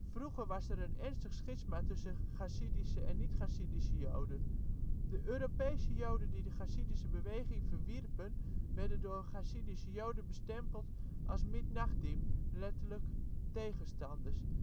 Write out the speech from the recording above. Vroeger was er een ernstig schisma tussen de Chassidische en niet-Chassidische joden. De Europese joden die de Chasidische beweging verwierpen, werden door Chassidische joden bestempeld als mitnagdim (letterlijk " tegenstanders